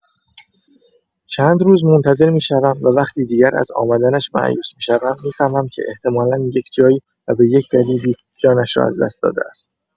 چند روز منتظر می‌شوم و وقتی دیگر از آمدنش مایوس می‌شوم، می‌فهمم که احتمالا یک‌جایی و به یک دلیلی جانش را از دست داده است.